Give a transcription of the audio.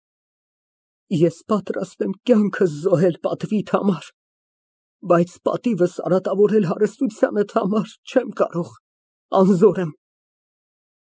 Ես պատրաստ եմ կյանքս զոհել պատվիդ հանար, բայց պատիվս արատավորել հարստությանդ համար ֊ չեմ կարող, անզոր եմ։